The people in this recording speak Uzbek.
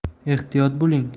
ehtiyot bo'ling